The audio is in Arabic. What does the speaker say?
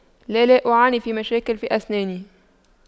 لا لا أعاني في مشاكل في أسناني